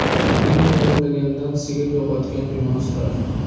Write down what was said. igna o'g'irlagandan sigir yo'qotgan gumonsirar